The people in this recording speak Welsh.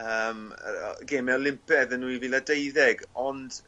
yym yy o geme Olympedd yn nwy fil a deuddeg ond